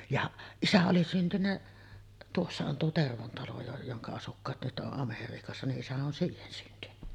ja isä oli syntynyt tuossa on tuo Tervon talo - jonka asukkaat nyt on Amerikassa niin isä on siihen syntynyt